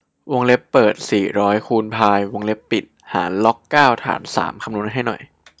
วงเล็บเปิดสี่ร้อยคูณพายวงเล็บปิดหารล็อกเก้าฐานสามคำนวณให้หน่อย